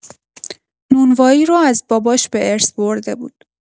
نونوایی رو از باباش به ارث برده بود.